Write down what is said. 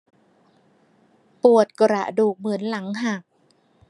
ปวดกระดูกเหมือนหลังหัก